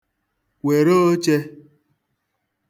wère ochē